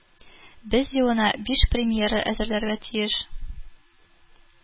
Без елына биш премьера әзерләргә тиеш